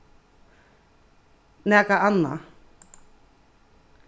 nakað annað